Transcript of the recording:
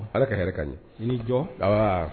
Ala ka hɛrɛ ka ɲi i ni jɔ baba